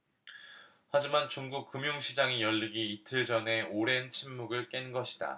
하지만 중국 금융시장이 열리기 이틀 전에 오랜 침묵을 깬 것이다